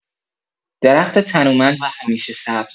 درخت تنومند و همیشه سبز